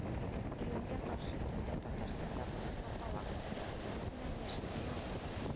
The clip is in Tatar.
Июньгә каршы төндә татарстанда болытлы һава көтелә, урыны белән яшенле яңгыр